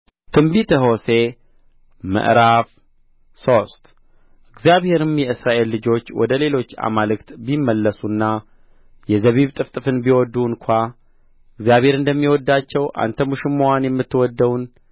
ትንቢተ ሆሴዕ ምዕራፍ ሶስት እግዚአብሔርም የእስራኤል ልጆች ወደ ሌሎች አማልክት ቢመለሱና የዘቢብ ጥፍጥፍን ቢወድዱ እንኳ እግዚአብሔር እንደሚወድዳቸው አንተም ውሽማዋን የምትወድደውን